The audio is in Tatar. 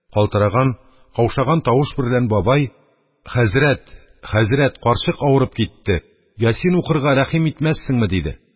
Калтыраган, каушаган тавыш берлән, бабай: – Хәзрәт, хәзрәт, карчык авырып китте. «Ясин» укырга рәхим итмәссеңме? – диде.